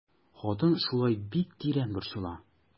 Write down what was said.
Хатын шулай дип бик тирән борчыла.